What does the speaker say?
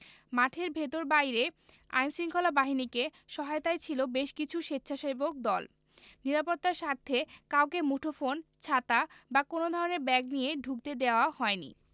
মাঠের ভেতর বাইরে আইনশৃঙ্খলা বাহিনীকে সহায়তায় ছিল বেশ কিছু স্বেচ্ছাসেবক দল নিরাপত্তার স্বার্থে কাউকে মুঠোফোন ছাতা বা কোনো ধরনের ব্যাগ নিয়ে ঢুকতে দেওয়া হয়নি